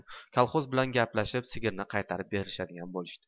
kolxoz bilan gaplashib sigirni qaytarib beradigan bo'lishdi